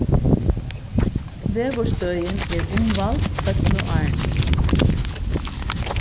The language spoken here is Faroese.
veðurstøðin er umvæld seinnu árini